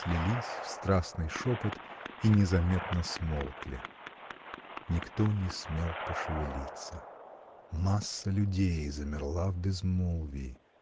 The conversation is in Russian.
слились в страстный шепот и незаметно смолкли. Никто не смел пошевелиться. Масса людей замерла в безмолвии.